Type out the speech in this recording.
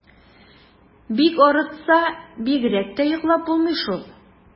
Бик арытса, бигрәк тә йоклап булмый шул.